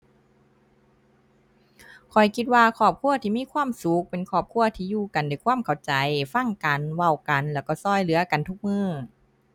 ข้อยคิดว่าครอบครัวที่มีความสุขเป็นครอบครัวที่อยู่กันด้วยความเข้าใจ ฟังกัน เว้ากัน แล้วก็ก็เหลือกันทุกมื้อ